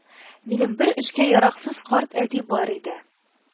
Минем бер эшкә яраксыз карт әти бар иде